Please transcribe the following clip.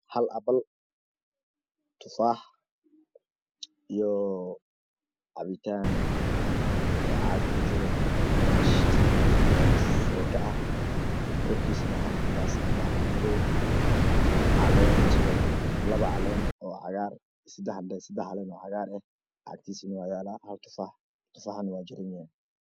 Hal appal kufaax iyoo cabitaan oo caad ku jiro oona shiidan oona seeka ah kortiisana waxa ku daadsan wax mad-madow caleen, sidoo kale labo caleen oo cagaar, saddexle saddex xabo oo caleen ah oo cagaar ah, agtiisana waxaa yaala Hal tufaax tuxaana waa jaran yahay.